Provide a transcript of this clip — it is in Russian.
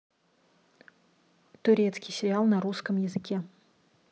турецкий сериал на русском языке